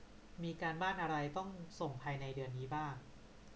มีการบ้านอะไรต้องส่งภายในเดือนนี้บ้าง